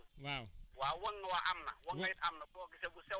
waaw ñoom dafa am lu ñuy wax wànq am lu ñuy loo xam dañu ko wax waŋ